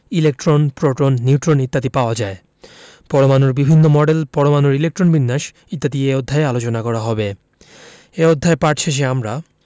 electron proton neutron ইত্যাদি পাওয়া যায় পরমাণুর বিভিন্ন মডেল পরমাণুর ইলেকট্রন বিন্যাস ইত্যাদি এ অধ্যায়ে আলোচনা করা হবে এ অধ্যায় পাঠ শেষে আমরা